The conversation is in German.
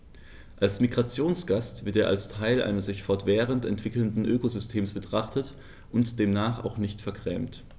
Als Migrationsgast wird er als Teil eines sich fortwährend entwickelnden Ökosystems betrachtet und demnach auch nicht vergrämt.